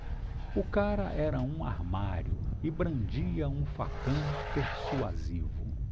o cara era um armário e brandia um facão persuasivo